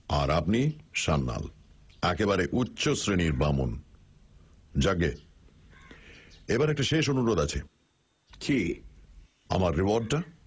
আর আপনি সান্যাল একেবারে উচ্চ শ্রেণীর বামুন যাকগে এবার একটা শেষ অনুরোধ আছে কী আমার রিওয়ার্ডটা